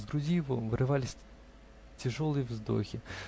из груди его вырывались тяжелые вздохи